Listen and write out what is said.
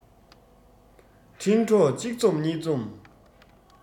འཕྲིན གྲོགས གཅིག འཛོམས གཉིས འཛོམས